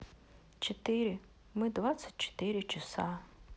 четыре мы двадцать четыре часа